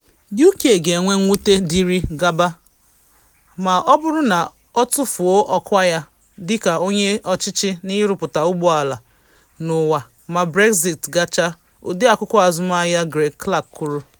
UK “ga-enwe nwute dịịrị gaba” ma ọ bụrụ na o tufuo ọkwa ya dị ka onye ọchịchị n’ịrụpụta ụgbọ ala n’ụwa ma Brexit gachaa, Ọde Akwụkwọ Azụmahịa Greg Clark kwuru.